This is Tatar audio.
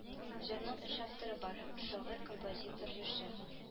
Җырның өч авторы бар шагыйрь композитор җырчы